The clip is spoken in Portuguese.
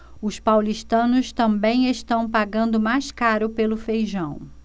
os paulistanos também estão pagando mais caro pelo feijão